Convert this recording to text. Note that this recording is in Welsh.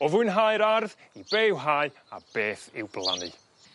O fwynhau'r ardd i be' i'w hau a beth i'w blannu.